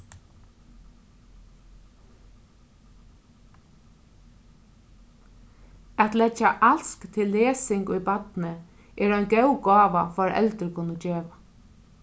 at leggja alsk til lesing í barnið er ein góð gáva foreldur kunnu geva